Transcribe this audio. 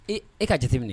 Ee e ka jate minɛ